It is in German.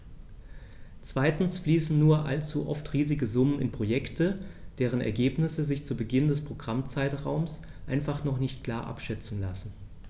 Zweitens fließen nur allzu oft riesige Summen in Projekte, deren Ergebnisse sich zu Beginn des Programmzeitraums einfach noch nicht klar abschätzen lassen.